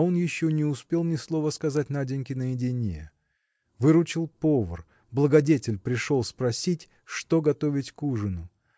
а он еще не успел ни слова сказать Наденьке наедине. Выручил повар благодетель пришел спросить что готовить к ужину